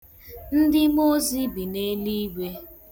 Ndị mmụọozi bị n'eluigwe.